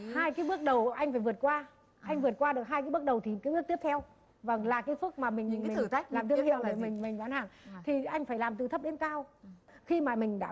hai cái bước đầu anh phải vượt qua anh vượt qua được hai cái bước đầu thì cái bước tiếp theo vầng là cái bước mà mình mình làm thương hiệu để mình mình bán hàng thì anh phải làm từ thấp lên cao khi mà mình đã